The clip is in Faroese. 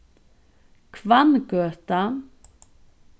hvanngøta